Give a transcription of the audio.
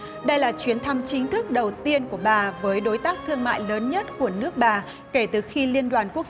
đây là chuyến thăm chính thức đầu tiên của bà với đối tác thương mại lớn nhất của nước bà kể từ khi liên đoàn quốc